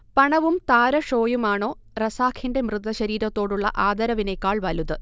പണവും താരഷോയും ആണോ റസാഖിന്റെ മൃതശരീരത്തോടുള്ള ആദരവിനെക്കാൾ വലുത്